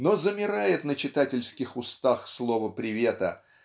-- но замирает на читательских устах слово привета